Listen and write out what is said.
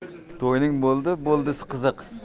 to'yning bo'ldi bo'ldisi qiziq